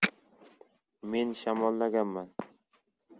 men shamollaganman